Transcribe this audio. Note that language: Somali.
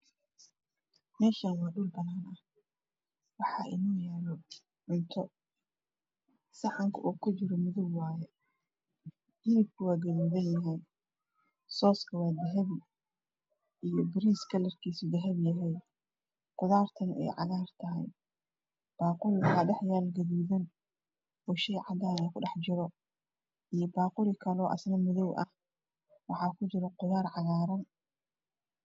Meshanu waa dhuul banaan ah waxaa ino yala cunto saxanka uu ku jiro waa madoow hilib gaduudan soska waa dahabi bariiskuna waa dahabi qudaartuna ey cagar tahay baquli waxaa dhex yala oo shey cadan ku jiro iyo baquli kale oo ku jiro qudaar cagaran